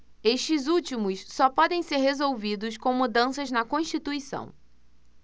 estes últimos só podem ser resolvidos com mudanças na constituição